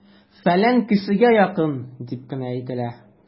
"фәлән кешегә якын" дип кенә әйтелә!